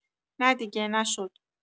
نه دیگه، نشد!